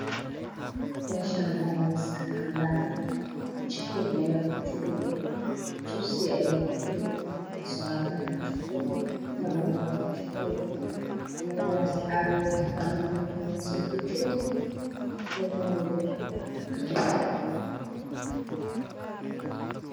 Meeshan waxayaalo sixin cadaano jikin ayaa ku jiro jabis ayaa ku jiro juglato ayaa ku jiro labadaas caagooyar mid miyaanarsbaakujiro midna Kajab